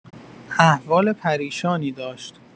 احوال پریشانی داشت.